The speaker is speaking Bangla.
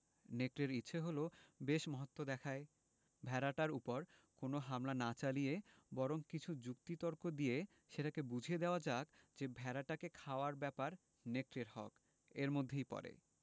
নেকড়ের ইচ্ছে হল বেশ মহত্ব দেখায় ভেড়াটার উপর কোন হামলা না চালিয়ে বরং কিছু যুক্তি তক্ক দিয়ে সেটাকে বুঝিয়ে দেওয়া যাক যে ভেড়াটাকে খাওয়ার ব্যাপারটা নেকড়ের হক এর মধ্যেই পড়ে